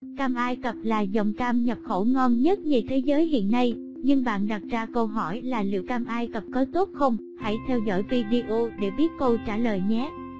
cam ai cập là dòng cam nhập khẩu ngon nhất nhì thế giới hiện nay nhưng bạn đặt ra câu hỏi là liệu cam ai cập có tốt không hãy theo dõi video để biết câu trả lời nhé